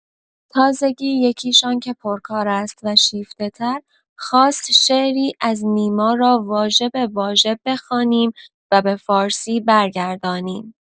تازگی یکی‌شان که پرکار است و شیفته‌تر، خواست شعری از نیما را واژه به واژه بخوانیم و به فارسی برگردانیم.